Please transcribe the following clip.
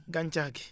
gàncax gi